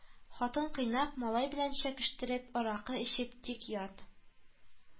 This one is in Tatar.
Хатын кыйнап, малай белән чәкештереп, аракы эчеп тик ят